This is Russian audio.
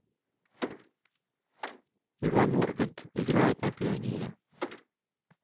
иван ургант играет на пианино